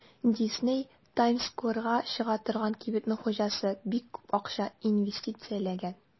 Дисней (Таймс-скверга чыга торган кибетнең хуҗасы) бик күп акча инвестицияләгән.